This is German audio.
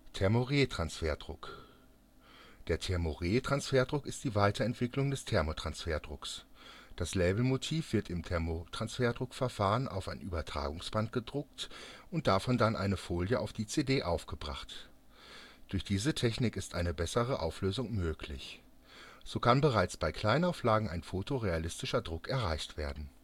Thermoretransferdruck: Der Thermoretransferdruck ist die Weiterentwicklung des Thermotransferdrucks. Das Labelmotiv wird im Thermotransferdruckverfahren auf ein Übertragungsband gedruckt und davon dann eine Folie auf die CD aufgebracht. Durch diese Technik ist eine bessere Auflösung möglich. So kann bereits bei Kleinauflagen ein fotorealistischer Druck erreicht werden